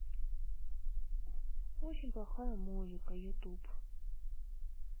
очень плохая музыка ютуб